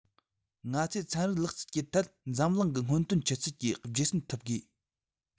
ང ཚོས ཚན རིག ལག རྩལ གྱི ཐད འཛམ གླིང གི སྔོན ཐོན ཆུ ཚད ཀྱི རྗེས ཟིན ཐུབ དགོས